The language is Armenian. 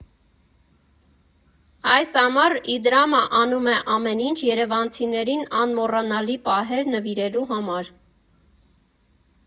Այս ամառ Իդրամը անում է ամեն ինչ՝ երևանցիներին անմոռանալի պահեր նվիրելու համար։